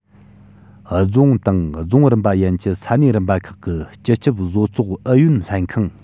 རྫོང དང རྫོང རིམ པ ཡན གྱི ས གནས རིམ པ ཁག གི སྤྱི ཁྱབ བཟོ ཚོགས ཨུ ཡོན ལྷན ཁང